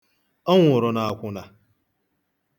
Ọ nwụrụ n'akwụna.